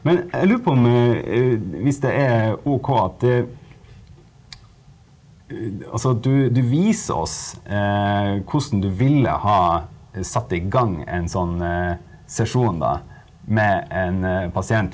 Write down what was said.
men jeg lurer på om hvis det er ok at altså at du du viser oss hvordan du ville ha satt i gang en sånn sesjon da med en pasient.